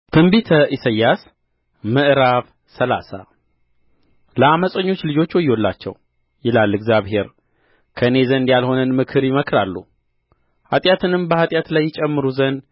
ትንቢተ ኢሳይያስ ምዕራፍ ሰላሳ ለዓመፀኞች ልጆች ወዮላቸው ይላል እግዚአብሔር ከእኔ ዘንድ ያልሆነን ምክር ይመክራሉ ኃጢአትንም በኃጢአት ላይ ይጨምሩ ዘንድ